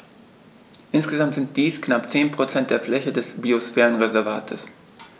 Insgesamt sind dies knapp 10 % der Fläche des Biosphärenreservates.